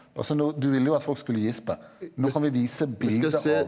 altså du vil jo at folk skulle gispe nå kan vi vise bilde av.